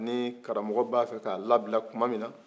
ni karamɔgɔ b'a fɛ k'a labila tuman min na